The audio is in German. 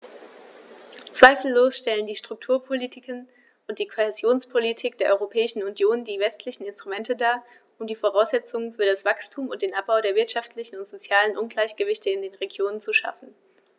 Zweifellos stellen die Strukturpolitiken und die Kohäsionspolitik der Europäischen Union die wesentlichen Instrumente dar, um die Voraussetzungen für das Wachstum und den Abbau der wirtschaftlichen und sozialen Ungleichgewichte in den Regionen zu schaffen.